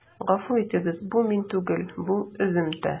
Гафу итегез, бу мин түгел, бу өземтә.